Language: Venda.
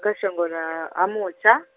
kha shango ḽa Ha Mutsha.